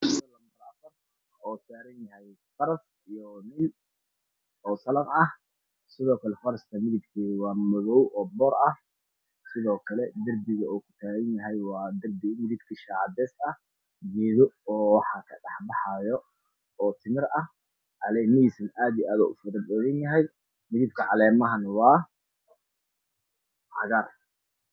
Waa nin saaran faras